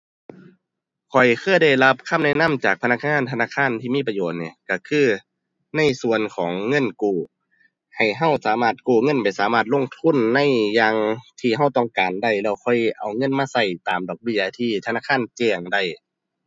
ข้อยเคยได้รับคำแนะนำจากพนักงานธนาคารที่มีประโยชน์นี่ก็คือ ในส่วนของเงินกู้ ให้ก็สามารถกู้เงินไปสามารถลงทุนในอย่างที่ก็ต้องการได้ แล้วค่อยเอาเงินมาก็ตามดอกเบี้ยที่ธนาคารแจ้งได้